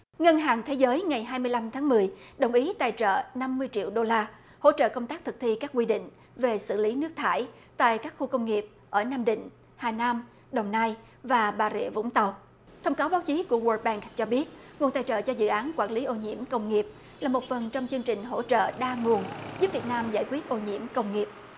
ngân hàng thế giới ngày hai mươi lăm tháng mười đồng ý tài trợ năm mươi triệu đô la hỗ trợ công tác thực thi các quy định về xử lý nước thải tại các khu công nghiệp ở nam định hà nam đồng nai và bà rịa vũng tàu thông cáo báo chí của gua ben cho biết nguồn tài trợ cho dự án quản lý ô nhiễm công nghiệp là một phần trong chương trình hỗ trợ đa nguồn giúp việt nam giải quyết ô nhiễm công nghiệp